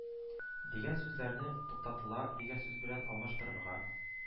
Дигән сүзләрне “туктатыла” дигән сүз белән алмаштырырга;